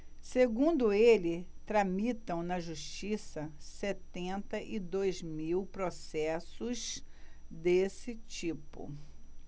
segundo ele tramitam na justiça setenta e dois mil processos desse tipo